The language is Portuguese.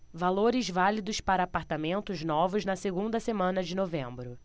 valores válidos para apartamentos novos na segunda semana de novembro